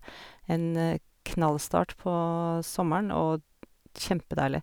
En knallstart på sommeren, og kjempedeilig.